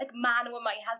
like ma' n'w yma i